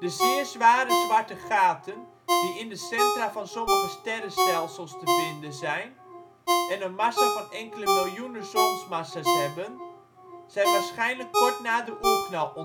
zeer zware zwarte gaten die in de centra van sommige sterrenstelsels te vinden zijn en een massa van enkele miljoenen zonsmassa 's hebben, zijn waarschijnlijk kort na de oerknal